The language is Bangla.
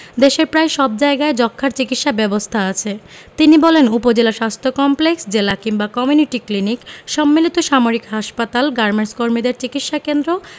দেশের প্রায় সব জায়গায় যক্ষ্মার চিকিৎসা ব্যবস্থা আছে তিনি বলেন উপজেলা স্বাস্থ্য কমপ্লেক্স জেলা কিংবা কমিউনিটি ক্লিনিক সম্মিলিত সামরিক হাসপাতাল গার্মেন্টকর্মীদের চিকিৎসাকেন্দ্র